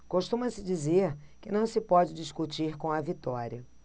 costuma-se dizer que não se pode discutir com a vitória